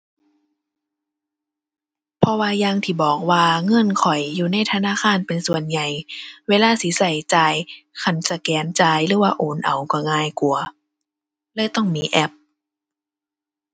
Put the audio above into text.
เพราะว่าอย่างที่บอกว่าเงินข้อยอยู่ในธนาคารเป็นส่วนใหญ่ เวลาสิใช้จ่าย คันสแกนจ่ายหรือว่าโอนเอาใช้ง่ายกว่าเลยต้องมีแอป